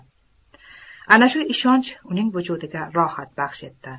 ana shu ishonch uning vujudiga rohat baxsh etdi